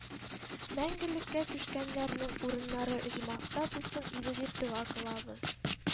Мәңгелеккә күчкәннәрнең урыннары оҗмахта булсын иде дип дога кылабыз